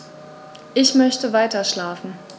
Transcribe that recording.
Ich möchte weiterschlafen.